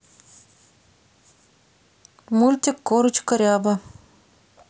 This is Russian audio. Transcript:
мультик курочка ряба